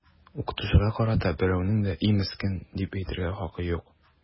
Укытучыга карата берәүнең дә “и, мескен” дип әйтергә хакы юк!